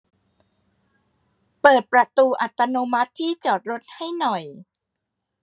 เปิดประตูอัตโนมัติที่จอดรถให้หน่อย